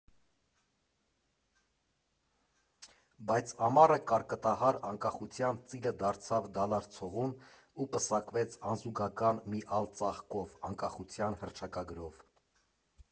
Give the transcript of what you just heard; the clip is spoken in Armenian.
Բայց ամառը կարկտահար Անկախության ծիլը դարձավ դալար ցողուն ու պսակվեց անզուգական մի ալ ծաղկով՝ Անկախության հռչակագրով։